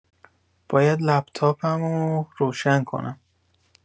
باید لپتاپمو روشن کنم.